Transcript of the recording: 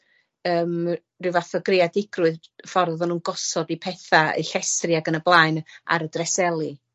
yym ryw fath o greadigrwydd ffordd o'n nw'n gosod 'u petha eu llestri ag yn y blaen ar y dreselu.